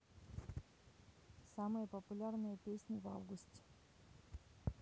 самые популярные песни в августе